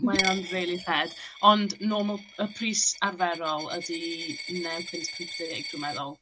Mae o'n rili rhad . Ond normal, y pris arferol ydi naw punt pump deg dwi'n meddwl.